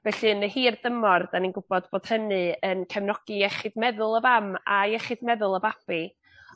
Felly yn y hir dymor 'dan ni'n gwbod bod hynny yn cefnogi iechyd meddwl y fam a iechyd meddwl y babi